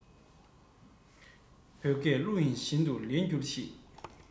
བོད སྐད གླུ དབྱངས བཞིན དུ ལེན འགྱུར ཅིག